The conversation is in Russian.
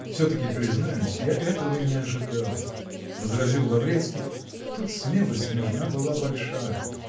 -- Все-таки, признаюсь, я этого не ожидал, -- возразил Лаврецкий, -- тут смелость нужна была большая.